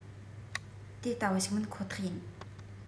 དེ ལྟ བུ ཞིག མིན ཁོ ཐག ཡིན